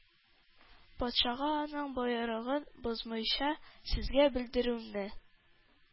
Патшага аның боерыгын бозмыйча сезгә белдерүемне